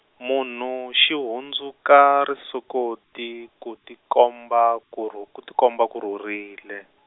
munhu xi hundzuka risokoti ku tikomba ku rhu- ku tikomba ku rhurile.